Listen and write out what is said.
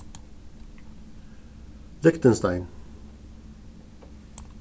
liktinstein